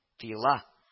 Тыела